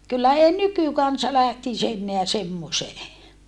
kyllä ei nykykansa lähtisi enää semmoiseen